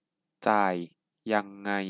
จ่ายยังไง